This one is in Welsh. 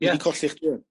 ie'n colli chdi rŵan.